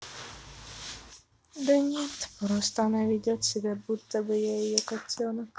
да нет просто она ведет себя будто бы я ее котенок